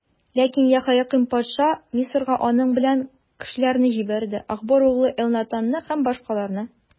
Ләкин Яһоякыйм патша Мисырга аның белән кешеләрне җибәрде: Ахбор углы Элнатанны һәм башкаларны.